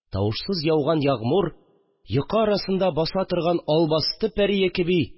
Тавышсыз яуган ягъмур, йокы арасында баса торган албасты пәрие кеби